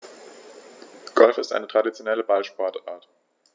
Golf ist eine traditionelle Ballsportart.